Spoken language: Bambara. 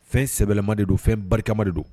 Fɛn sɛbɛɛlɛma de don fɛnba barikakama de don